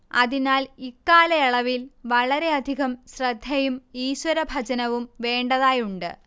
അതിനാൽ ഇക്കാലയളവിൽ വളരെയധികം ശ്രദ്ധയും ഈശ്വരഭജനവും വേണ്ടതായുണ്ട്